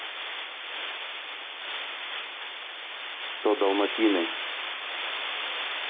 что далматины